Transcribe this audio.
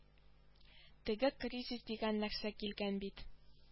Теге кризис дигән нәрсә килгән бит